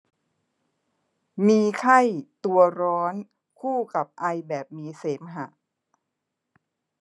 มีไข้ตัวร้อนคู่กับไอแบบมีเสมหะ